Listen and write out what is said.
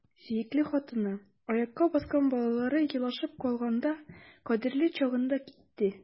Сөекле хатыны, аякка баскан балалары елашып калганда — кадерле чагында китте!